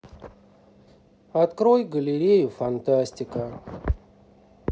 открой галерею фантастика